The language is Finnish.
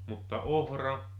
mutta ohra